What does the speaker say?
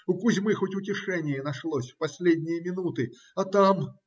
У Кузьмы хоть утешение нашлось в последние минуты - а там?